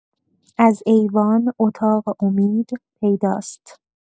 از ایوان، اتاق امید پیداست.